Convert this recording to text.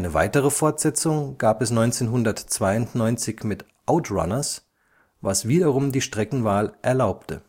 weitere Fortsetzung gab es 1992 mit OutRunners, was wiederum die Streckenwahl erlaubte